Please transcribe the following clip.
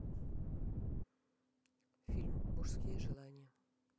фильм мужские желания